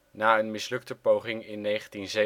Na een mislukte poging in 1997, deed